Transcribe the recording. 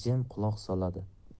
jim quloq soladi